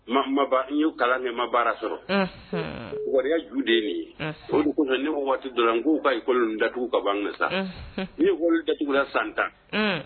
N ye kala ne ma baara sɔrɔ wa ju de ye nin ye p kunna ne waati dɔrɔn n' ka kolon datugu ka ban sa ne wolo datugu la san tan